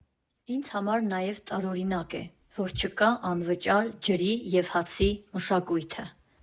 Ինձ համար նաև տարօրինակ է, որ չկա անվճար ջրի և հացի մշակույթը։